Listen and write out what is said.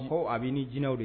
N ko a b'i ni jinɛw de